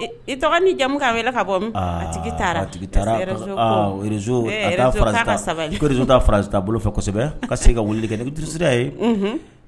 I tɔgɔ ni jamumu' wele k ka bɔ tigi tigizrzrez farata bolo fɛsɛbɛ ka se ka wuli kɛ bɛsira ye